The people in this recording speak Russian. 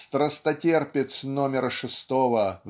страстотерпец номера шестого